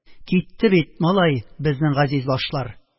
«китте бит, малай, безнең газиз башлар.